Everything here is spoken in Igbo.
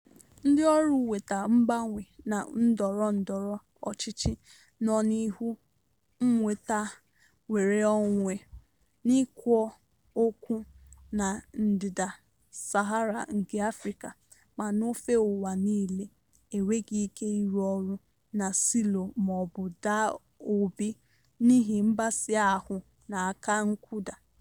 Ndị ọrụ mweta mgbanwe na ndọrọ ndọrọ ọchịchị nọ n'ihu mweta nnwereonwe n'ikwo okwu na ndịda Sahara nke Afịrịka ma n'ofe ụwa niile enweghị ike ịrụ ọrụ na silo maọbụ daa ogbi n'ihi mgbakasịahụ na aka nkụda.